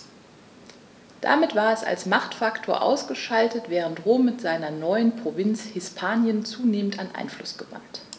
Damit war es als Machtfaktor ausgeschaltet, während Rom mit seiner neuen Provinz Hispanien zunehmend an Einfluss gewann.